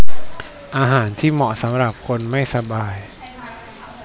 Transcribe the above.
อาหารที่เหมาะสำหรับคนไม่สบาย